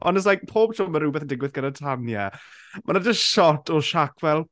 Ond jyst like, pob tro mae rhywbeth yn diwgydd gyda Tanya mae 'na jyst shot o Shaq fel...